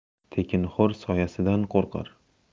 tekinxo'r soyasidan qo'rqar